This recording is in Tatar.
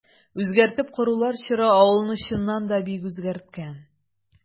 Үзгәртеп корулар чоры авылны, чыннан да, бик үзгәрткән.